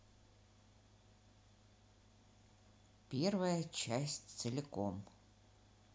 первая часть целиком